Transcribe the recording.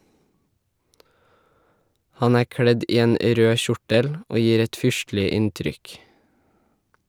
Han er kledd i en rød kjortel og gir et fyrstelig inntrykk.